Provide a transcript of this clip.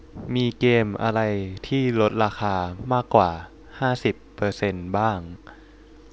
มีเกมอะไรที่ลดราคามากกว่าห้าสิบเปอร์เซนต์บ้าง